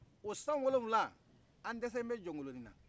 o san wolofila an dɛsɛmɛ jɔkoloni na